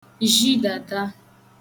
jhidàta